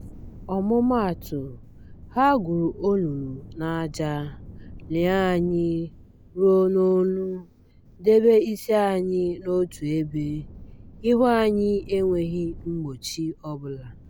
Ọmụmaatụ, ha gwuru olulu n'aja, lie anyị ruo n'ólú, debe isi anyị n'otu ebe, ihu anyị enweghị mgbochi ọbụla.